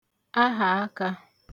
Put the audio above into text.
ahàakā